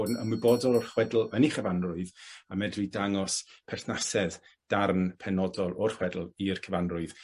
bod yn ymwybodol o'r chwedl yn 'i chyfanrwydd a medru dangos perthnasedd darn penodol o'r chwedl i'r cyfanrwydd.